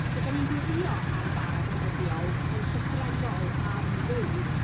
So dan ni'n gweddïo am bara beunyddiol yn llythrennol am fwyd.